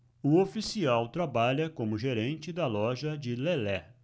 o oficial trabalha como gerente da loja de lelé